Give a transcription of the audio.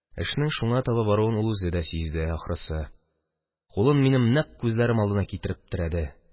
Эшнең шуңа таба баруын ул үзе дә сизде, ахрысы, кулын минем нәкъ күзләрем алдына китереп терәде.